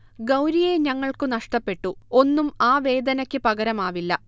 ഗൗരിയെ ഞങ്ങൾക്ക് നഷ്ടപ്പെട്ടു, ഒന്നും ആ വേദനക്ക് പകരമാവില്ല